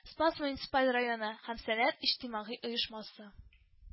Спас муниципаль районы һәм “Сәләт” иҗтимагый оешмасы